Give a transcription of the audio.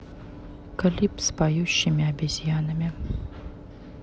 клип с поющими обезьянами